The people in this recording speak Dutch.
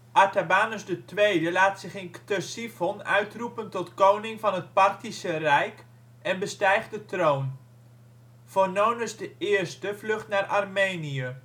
Artabanus II (12 - 38) laat zich in Ctesiphon uitroepen tot koning van het Parthische Rijk en bestijgt de troon. Vonones I vlucht naar Armenië